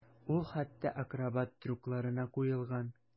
Ул хәтта акробат трюкларына куелган.